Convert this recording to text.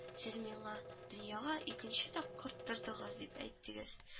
Сез миңа, дөньяга икенче тапкыр тудыгыз, дип әйттегез